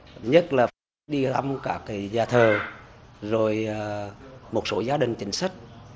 nhất là đi thăm cả cái nhà thờ rồi ờ một số gia đình chính sách